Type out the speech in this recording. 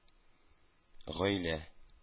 Гаилә